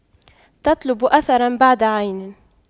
تطلب أثراً بعد عين